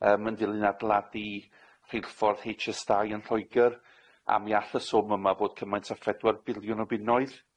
yym yn dilyn adeiladu rheilffordd Haitch Ess Dau yn Lloegr, a mi all y swm yma dod cymaint â phedwar biliwn o bunnoedd.